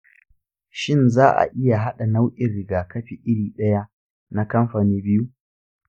shin za'a iya haɗa nau'in rigakafi iri ɗaya na kamfani biyu.